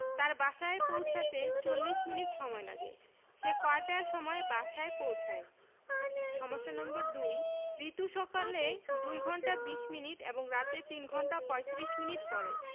তার বাসায় পৌছাতে ৪০ মিনিট সময়লাগে সে কয়টার সময় বাসায় পৌছায় সমস্যা নম্বর ২ রিতু সকালে ২ ঘন্টা ২০ মিনিট এবং রাতে ৩ ঘণ্টা ৩৫ মিনিট পড়ে